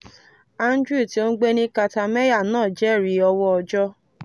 Andrew tí ó ń gbé ní Katameyya náà jẹ́rìí ọwọ́ òjò.